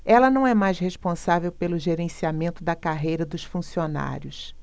ela não é mais responsável pelo gerenciamento da carreira dos funcionários